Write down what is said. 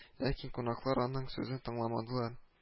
Ләкин кунаклар аның сүзен тыңламадылар